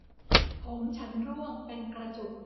ผมฉันร่วงเป็นกระจุก